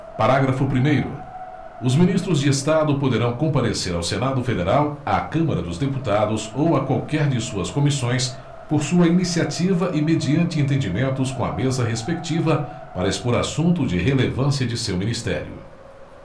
parágrafo primeiro os ministros de estado poderão comparecer ao senado federal à câmara dos deputados ou a qualquer de suas comissões por sua iniciativa e mediante entendimentos com a mesa respectiva para expor assunto de relevância de seu ministério